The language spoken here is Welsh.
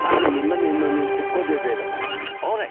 Pam ynny myn 'yn o'n nw'n tipo defyd off o... O reit.